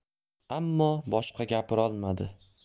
ammo boshqa gapirolmadi